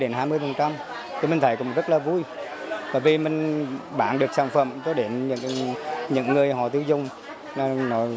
đến hai mươi phần trăm thì mình thấy cũng rất là vui vì mình bán được sản phẩm cho đến những người họ tiêu dùng nàng nói